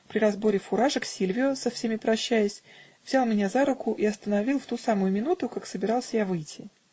При разборе фуражек Сильвио, со всеми прощаясь, взял меня за руку и остановил в ту самую минуту, как собирался я выйти.